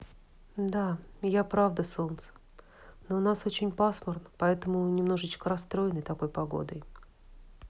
да я правда солнце но у нас очень пасмурно поэтому немножечко расстроены такой погодой